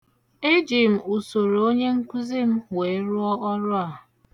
Eji m usoro onyenkụzi m wee rụọ ọrụ a.